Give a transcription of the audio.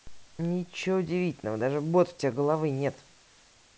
ничего удивительного даже бот у тебя головы нет